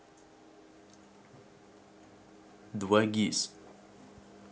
2gis